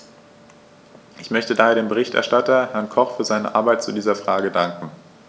Ich möchte daher dem Berichterstatter, Herrn Koch, für seine Arbeit zu dieser Frage danken.